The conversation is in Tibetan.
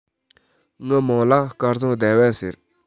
ངའི མིང ལ སྐལ བཟང ཟླ བ ཟེར